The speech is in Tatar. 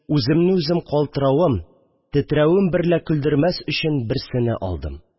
Үземне үзем калтыравым, тетрәвем берлә көлдермәс өчен, берсене алдым